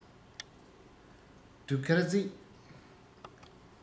གདུགས དཀར སྐྱིད